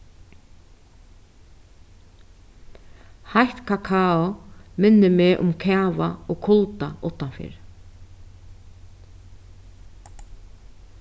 heitt kakao minnir meg um kava og kulda uttanfyri